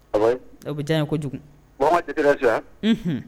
E bɛ diya ye kojugu